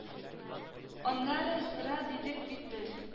Аннары сыра дидек бит без